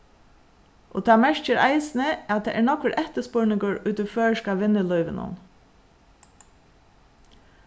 og tað merkir eisini at tað er nógvur eftirspurningur í tí føroyska vinnulívinum